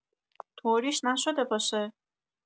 طوریش نشده باشه؟